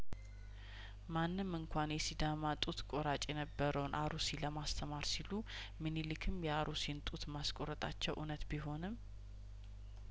ምንም እንኳን የሲዳማ ጡት ቆራጭ የነበረውን አሩሲ ለማስተማር ሲሉ ሚንሊክም የአሩሲን ጡት ማስቆረጣቸው እውነት ቢሆንም